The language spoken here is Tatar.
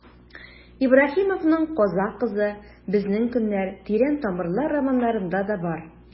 Ибраһимовның «Казакъ кызы», «Безнең көннәр», «Тирән тамырлар» романнарында да бар.